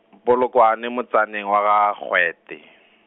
Polokwane motsaneng wa ga Gwete.